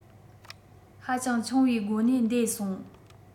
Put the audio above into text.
ཧ ཅང ཆུང བའི སྒོ ནས འདས སོང